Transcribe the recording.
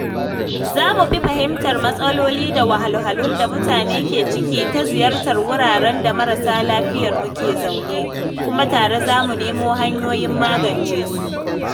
Za mu fi fahimtar matsaloli da wahalhalun da mutane ke ciki ta hanyar ziyartar wuraren da marasa lafiyarmu ke zaune, kuma tare za mu nemo hanyoyin magance su.